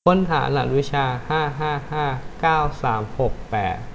ค้นหารหัสวิชาห้าห้าห้าเก้าสามหกแปด